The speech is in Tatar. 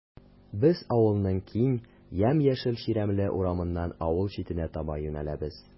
Без авылның киң, ямь-яшел чирәмле урамыннан авыл читенә таба юнәләбез.